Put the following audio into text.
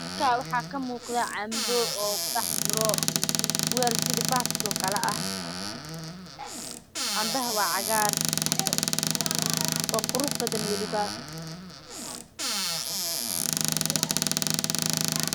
Halkan waxaa ka muuqda canbe